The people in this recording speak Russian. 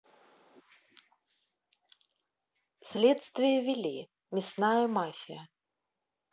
следствие вели мясная мафия